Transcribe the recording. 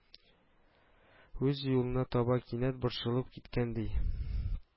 Үз юлына таба кинәт борчылып киткән иде, ди